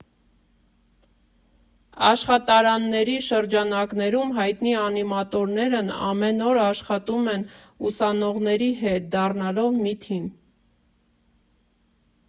Աշխատարանների շրջանակներում հայտնի անիմատորներն ամեն օր աշխատում են ուսանողների հետ՝ դառնալով մի թիմ։